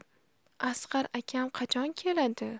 asqar akam qachon keladi